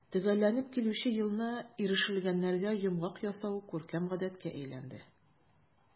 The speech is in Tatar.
Төгәлләнеп килүче елны ирешелгәннәргә йомгак ясау күркәм гадәткә әйләнде.